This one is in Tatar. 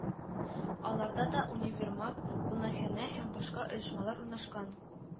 Аларда да универмаг, кунакханә һәм башка оешмалар урнашкан